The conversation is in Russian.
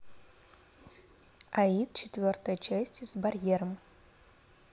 аид четвертая часть с барьером